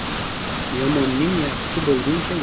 yomonning yaxshisi bo'lguncha